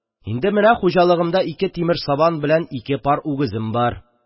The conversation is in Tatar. Инде менә хуҗалыгымда ике тимер сабан белән ике пар үгезем бар...